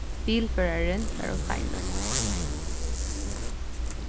bilførarin var ov seinur